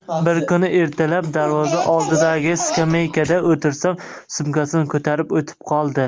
bir kuni ertalab darvoza oldidagi skameykada o'tirsam sumkasini ko'tarib o'tib qoldi